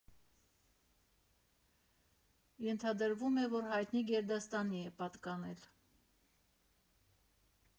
Ենթադրվում է, որ հայտնի գերդաստանի է պատկանել։